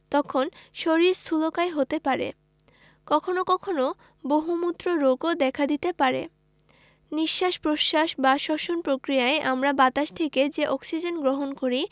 তখন শরীর স্থুলকায় হতে পারে কখনো কখনো বহুমূত্র রোগও দেখা দিতে পারে নিঃশ্বাস প্রশ্বাস বা শ্বসন প্রক্রিয়ায় আমরা বাতাস থেকে যে অক্সিজেন গ্রহণ করি